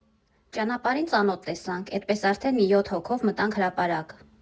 Ճանապարհին ծանոթ տեսանք, էդպես արդեն մի յոթ հոգով մտանք հրապարակ։